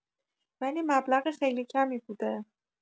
ولی مبلغ خیلی کمی بوده